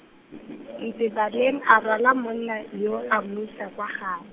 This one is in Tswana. Ntebaleng a rwala monna yo a mo isa kwa gaa-.